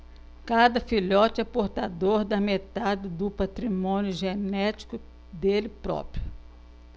cada filhote é portador da metade do patrimônio genético dele próprio